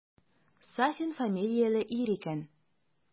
Сафин фамилияле ир икән.